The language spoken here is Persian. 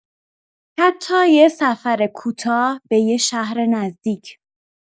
حتی یه سفر کوتاه به یه شهر نزدیک.